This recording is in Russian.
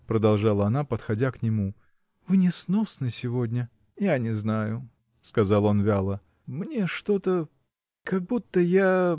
– продолжала она, подходя к нему, – вы несносны сегодня. – Я не знаю. – сказал он вяло, – мне что-то. как будто я.